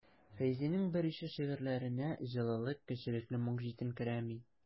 Фәйзинең берише шигырьләренә җылылык, кешелекле моң җитенкерәми.